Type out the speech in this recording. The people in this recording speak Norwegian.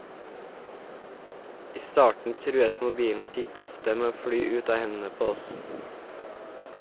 I starten truet mobilen titt og ofte med å fly ut av hendene på oss.